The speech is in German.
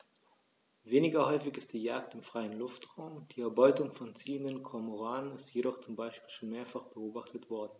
Weniger häufig ist die Jagd im freien Luftraum; die Erbeutung von ziehenden Kormoranen ist jedoch zum Beispiel schon mehrfach beobachtet worden.